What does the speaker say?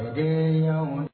Amiina